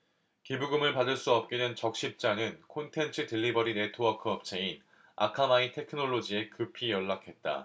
기부금을 받을 수 없게 된 적십자는 콘텐츠 딜리버리 네트워크 업체인 아카마이 테크놀로지에 급히 연락했다